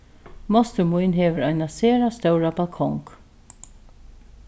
mostir mín hevur eina sera stóra balkong